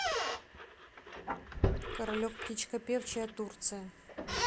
королек птичка певчая турция